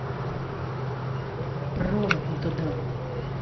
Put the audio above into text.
провод не туда